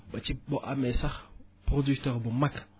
ba ci boo amee sax producteur bu mag